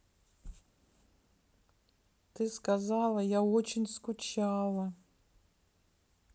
ты сказала я очень скучала